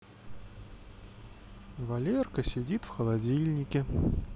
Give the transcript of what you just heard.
валерка сидит в холодильнике